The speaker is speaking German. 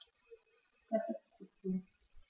Das ist gut so.